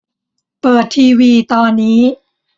เปิดทีวีตอนนี้